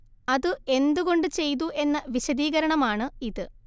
അതു എന്തു കൊണ്ട് ചെയ്തു എന്ന വിശദീകരണം ആണ്‌ ഇത്